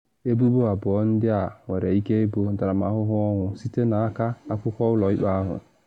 Ebubo abụọ ndị a nwere ike ibu ntaramahụhụ ọnwụ, site n’aka akwụkwọ ụlọ ikpe ahụ.